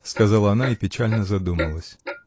— сказала она и печально задумалась.